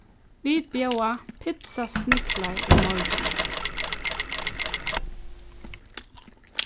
vit bjóða pitsasniglar í morgin